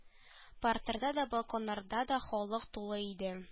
Партерда да балконнарда да халык тулы иде